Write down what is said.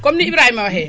comme ni Ibrahima waxee